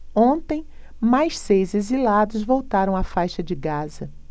ontem mais seis exilados voltaram à faixa de gaza